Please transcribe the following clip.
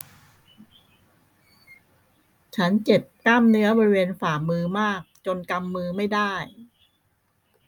ฉันเจ็บกล้ามเนื้อบริเวณฝ่ามือมากจนกำมือไม่ได้